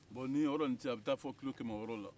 bon o ni yɔrɔ in cɛ a bɛ taa fo kilo kɛmɛwɔɔrɔ la